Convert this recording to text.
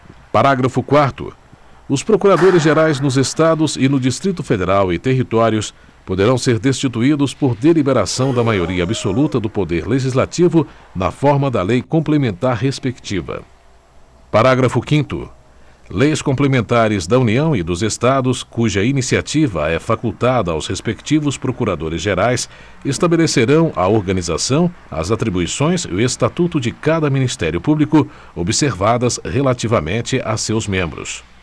parágrafo quarto os procuradores gerais nos estados e no distrito federal e territórios poderão ser destituídos por deliberação da maioria absoluta do poder legislativo na forma da lei complementar respectiva parágrafo quinto leis complementares da união e dos estados cuja iniciativa é facultada aos respectivos procuradores gerais estabelecerão a organização as atribuições e o estatuto de cada ministério público observadas relativamente a seus membros